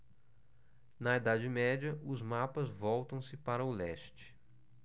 na idade média os mapas voltam-se para o leste